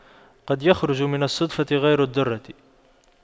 قد يخرج من الصدفة غير الدُّرَّة